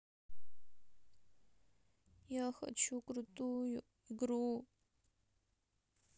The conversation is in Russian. я хочу крутую игру